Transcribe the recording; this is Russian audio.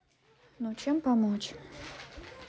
ну чем помочь